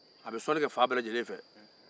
a bɛ sɔnni kɛ fan bɛɛ lajɛlen fɛ